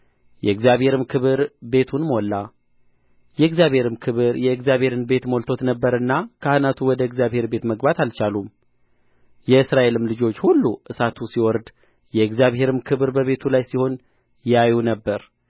የእግዚአብሔርም ክብር ቤቱን ሞላ የእግዚአብሔርም ክብር የእግዚአብሔርን ቤት ሞልቶት ነበርና ካህናቱ ወደ እግዚአብሔር ቤት መግባት አልቻሉም የእስራኤልም ልጆች ሁሉ እሳቱ ሲወርድ የእግዚአብሔርም ክብር በቤቱ ላይ ሲሆን ያዩ ነበር